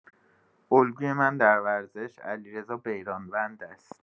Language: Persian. الگوی من در ورزش علیرضا بیرانوند است.